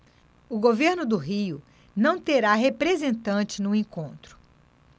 o governo do rio não terá representante no encontro